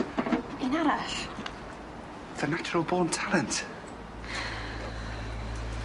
Un arall? A natural born talent.